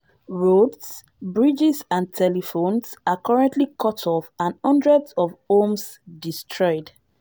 Roads, bridges and telephones are currently cut off and hundreds of homes destroyed.